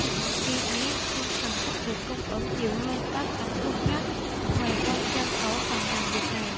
khi ấy quân thần sách được cung ứng nhiều hơn các cánh quân khác hoài quang dâng tấu phàn nàn việc này